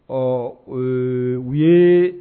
Ɔ ɛɛ u ye